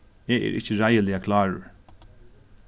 eg eri ikki reiðiliga klárur